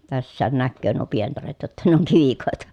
tässäkin näkee nuo pientareet jotta ne on kivikoita